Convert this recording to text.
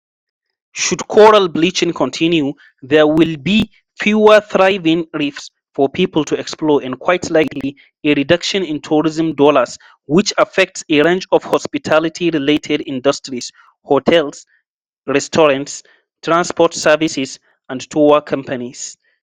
Should coral bleaching continue, there will be fewer thriving reefs for people to explore and quite likely, a reduction in tourism dollars, which affects a range of hospitality-related industries: hotels, restaurants, transport services and tour companies.